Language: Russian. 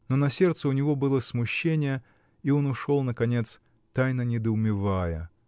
но на сердце у него было смущение, и он ушел наконец, тайно недоумевая.